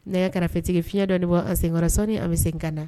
Nɛkɛkarafetigi fiɲɛ dɔɔnni bɔ an sen kɔrɔ sɔɔni an bɛ segin ka na.